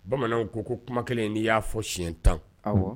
Bamananw ko ko kuma kelen n'i y'a fɔ si tan